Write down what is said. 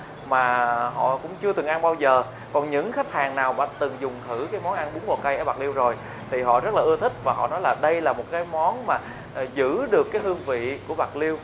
mà họ cũng chưa từng ăn bao giờ còn những khách hàng nào mà từng dùng thử món ăn bún bò cay ở bạc liêu rồi thì họ rất là ưa thích và họ nói là đây là một cái món mà giữ được cái hương vị của bạc liêu